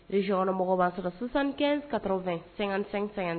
Yɔnmɔgɔ b'a sɔrɔ sisansan ka dɔrɔnraw2 san--